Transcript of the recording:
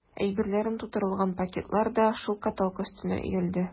Әйберләрем тутырылган пакетлар да шул каталка өстенә өелде.